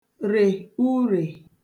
rè urè